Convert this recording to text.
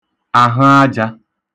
àhə̣aj̇ā